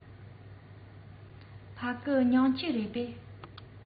ཕ གི མྱང ཆུ རེད པས